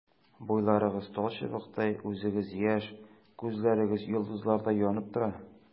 Буйларыгыз талчыбыктай, үзегез яшь, күзләрегез йолдызлардай янып тора.